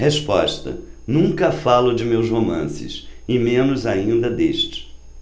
resposta nunca falo de meus romances e menos ainda deste